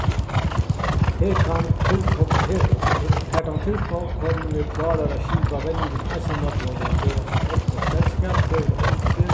her kann har tann komni klárar at skipa venjingina einsamallur og vera sítt egna selskap krevur tann ungi